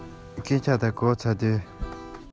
གཅུང མོའི ངུ སྐད ཇེ ཆེར སོང བ དང